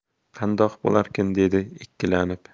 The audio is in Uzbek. qandoq bo'larkin dedi ikkilanib